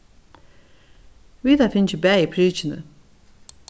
vit hava fingið bæði prikini